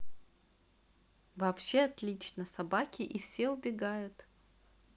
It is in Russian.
вообще отлично собаки и все убегают